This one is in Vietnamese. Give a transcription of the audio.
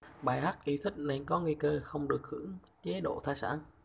bài hát yêu thích nên có nguy cơ không được hưởng chế độ thai sản